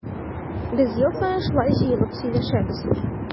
Без ел саен шулай җыелып сөйләшәбез.